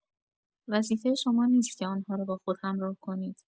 وظیفه شما نیست که آن‌ها را با خود همراه کنید.